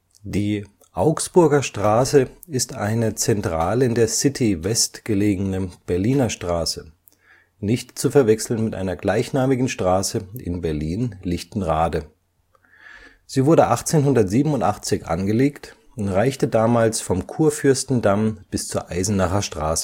Die Augsburger Straße ist eine zentral in der City West gelegene Berliner Straße, nicht zu verwechseln mit einer gleichnamigen Straße in Berlin-Lichtenrade. Sie wurde 1887 angelegt und reichte damals vom Kurfürstendamm bis zur Eisenacher Straße